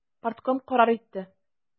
Партком карар итте.